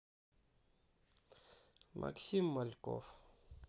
максим мальков